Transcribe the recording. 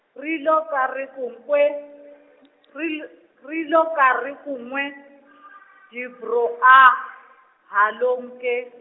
ri lo ka ri ku nkwee, ri l-, ri lo ka ri ku nwee , Jimbro a, ha lo nkee.